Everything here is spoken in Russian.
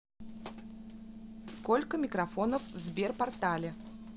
сколько микрофонов в сберпортале